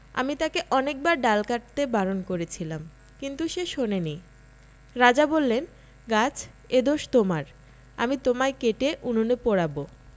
আমি তাকে অনেকবার ডাল কাটতে বারণ করেছিলাম কিন্তু সে শোনেনি রাজা বললেন গাছ এ দোষ তোমার আমি তোমায় কেটে উনুনে পোড়াব'